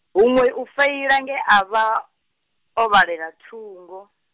huṅwe u feila nge a vha, o vhalela thungo.